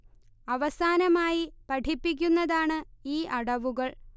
അവസാനമായി പഠിപ്പിക്കുന്നതാണ് ഈ അടവുകൾ